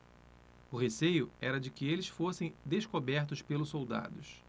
o receio era de que eles fossem descobertos pelos soldados